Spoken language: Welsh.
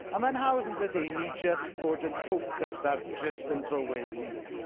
A mae'n hawdd yndydi, i ni jyst bod yn focused ar jyst ein bywyd ni.